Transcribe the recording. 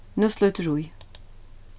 nú slítur í